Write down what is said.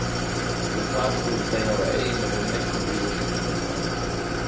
tí tá skulu tey hava eyguni við nógvum viðurskiftum í senn